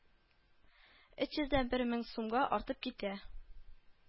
Өч йөз дә бер мең сумга артып китә